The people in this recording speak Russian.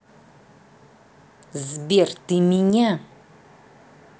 сбер ты меня